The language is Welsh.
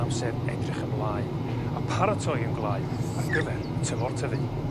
amser edrych ymlaen a paratoi ein gwlai ar gyfer y tymor tyfu.